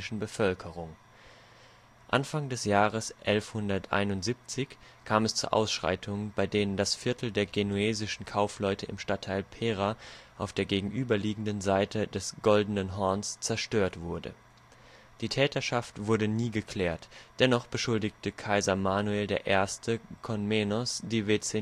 Bevölkerung. Anfang des Jahres 1171 kam es zu Ausschreitungen, bei denen das Viertel der genuesischen Kaufleute im Stadtteil Pera, auf der gegenüberliegenden Seite des Goldenen Horns, zerstört wurde. Die Täterschaft wurde nie geklärt, dennoch beschuldigte Kaiser Manuel I. Komnenos die Venezianer. In